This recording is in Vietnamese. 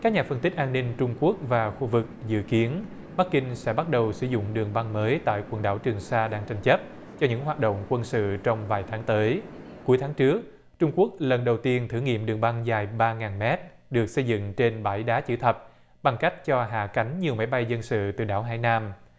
các nhà phân tích an ninh trung quốc và khu vực dự kiến bắc kinh sẽ bắt đầu sử dụng đường băng mới tại quần đảo trường sa đang tranh chấp cho những hoạt động quân sự trong vài tháng tới cuối tháng trước trung quốc lần đầu tiên thử nghiệm đường băng dài ba ngàn mét được xây dựng trên bãi đá chữ thập bằng cách cho hạ cánh nhiều máy bay dân sự từ đảo hải nam